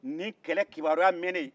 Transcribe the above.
nin kɛlɛ kibaruya mɛnne